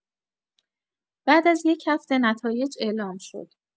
بعد از یک هفته، نتایج اعلام شد.